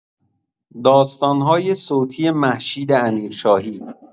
داستان‌های صوتی مهشید امیرشاهی